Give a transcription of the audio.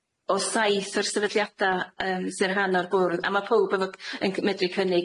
o saith o'r sefydliada yym sy'n rhan o'r bwrdd, a ma' powb efo yn cy- yn medru cynnig-